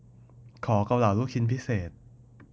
ขอเกาเหลาลูกชิ้นพิเศษ